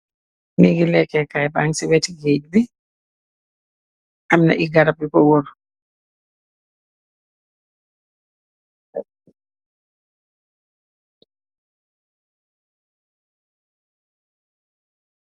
Negi leekeekaay bang ci weeti geej bi amna ai garab yu ko wor.